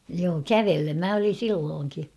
joo kävellen minä olin silloinkin